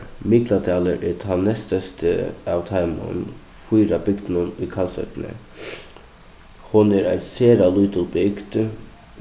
mikladalur er tann næststørsti av teimum fýra bygdunum í kalsoynni hon er ein sera lítil bygd